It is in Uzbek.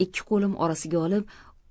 ikki qo'lim orasiga olib